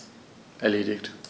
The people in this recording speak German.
Erledigt.